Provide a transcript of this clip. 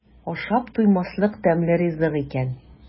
Ашап туймаслык тәмле ризык икән.